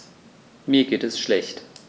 Mir geht es schlecht.